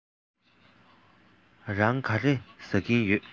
རང ག རེ ཟ གིན ཡོད